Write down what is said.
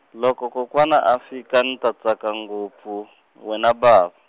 loko kokwana a fika ni ta tsaka ngopfu, wena bava.